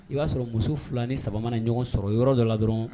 I b'a sɔrɔ muso fila ni saba ni ɲɔgɔn sɔrɔ yɔrɔ dɔ la dɔrɔn